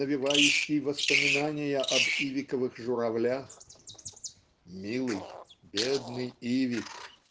навевающий воспоминания об Ивиковых журавлях "Милый, бедный Ивик!